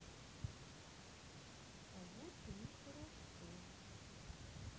а вот и нехорошо